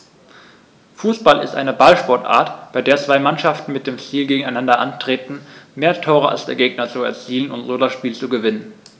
Fußball ist eine Ballsportart, bei der zwei Mannschaften mit dem Ziel gegeneinander antreten, mehr Tore als der Gegner zu erzielen und so das Spiel zu gewinnen.